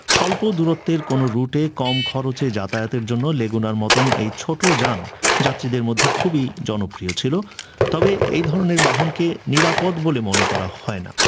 স্বল্প দুরত্বের কোন রুটে কম খরচে যাতায়াতের জন্য লেগুনার মত এই ছোট যান যাত্রীদের মধ্যে খুবই জনপ্রিয় ছিল তবে এই ধরনের বাহন কে নিরাপদ মনে করা হয় না